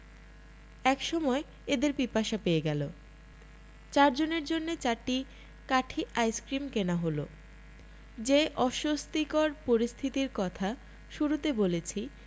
এক সময় এদের পিপাসা পেয়ে গেল চারজনের জন্যে চারটি কাঠি আইসক্রিম কেনা হল যে অস্বস্তিকর পরিস্থিতির কথা শুরুতে বলেছি